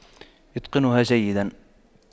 يتقنها جيدا